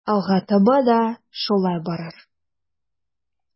Алга таба да шулай барыр.